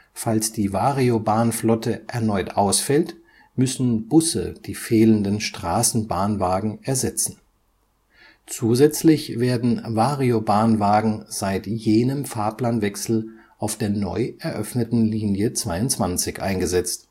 Falls die Variobahn-Flotte erneut ausfällt, müssen Busse die fehlenden Straßenbahnwagen ersetzen. Zusätzlich werden Variobahnwagen seit jenem Fahrplanwechsel auf der neu eröffneten Linie 22 eingesetzt